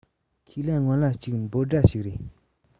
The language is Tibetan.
ཁས ལེན སྔོན ལ གཅིག འབོད སྒྲ ཞིག རེད